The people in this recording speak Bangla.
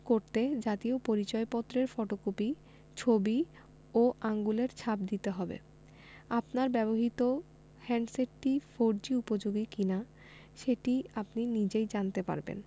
করতে জাতীয় পরিচয়পত্রের ফটোকপি ছবি ও আঙুলের ছাপ দিতে হবে আপনার ব্যবহৃত হ্যান্ডসেটটি ফোরজি উপযোগী কিনা সেটি আপনি নিজেই জানতে পারবেন